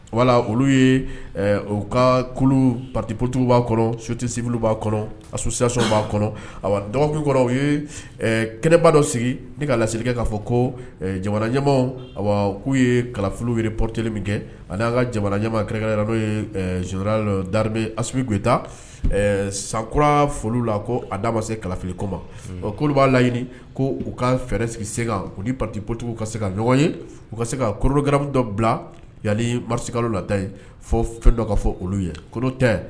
Wala olu ye u ka patiptu' kɔnɔ sutesiplu b'a kɔnɔ asiso b'a kɔnɔ a dɔgɔ kɔnɔ u kɛnɛba dɔ sigi ne ka laseli k'a fɔ ko jamana ɲa k'u ye kalifafi poroteli min kɛ ani an ka jamana ɲama kɛrɛrɛnkɛ la n'o yeo daribe asubiueta sankura la ko d'a ma se kalifafiko ma kolo b'a laɲini ko u ka fɛɛrɛ sigi se'u patiptigiw ka se ka ɲɔgɔn ye u ka se ka kororo g dɔ bila ya marisika lata yen fo fɛn dɔ ka fɔ olu ye ko tɛ